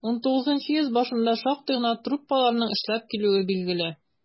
XIX йөз башында шактый гына труппаларның эшләп килүе билгеле.